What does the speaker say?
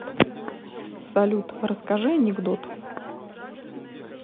салют расскажи анекдот